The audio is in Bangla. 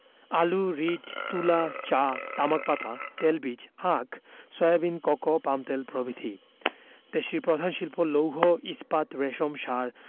আলু রীট তুলা চা তামাক পাতা তেলবীজ আখ সয়াবিন কোকো পামতেল প্রভৃতি দেশটির প্রধান শিল্প লৌহ ইস্পাত রেশম সার